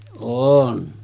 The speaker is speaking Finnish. olen